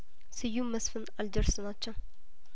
ስዩም መስፍን አልጀርስ ናቸው